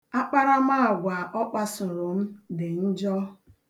Akparamaagwa ọ kpasoro m dị njọ.